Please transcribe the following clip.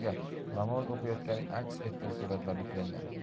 bilan birga namoz o'qiyotgani aks etgan suratlar yuklangan